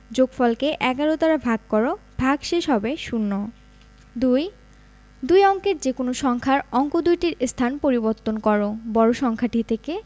যোগফল কে ১১ দ্বারা ভাগ কর ভাগশেষ হবে শূন্য ২ দুই অঙ্কের যেকোনো সংখ্যার অঙ্ক দুইটির স্থান পরিবর্তন কর বড় সংখ্যাটি থেকে